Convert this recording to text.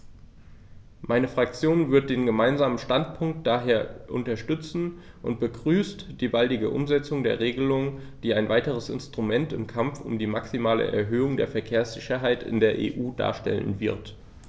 Meine Fraktion wird den Gemeinsamen Standpunkt daher unterstützen und begrüßt die baldige Umsetzung der Regelung, die ein weiteres Instrument im Kampf um die maximale Erhöhung der Verkehrssicherheit in der EU darstellen wird.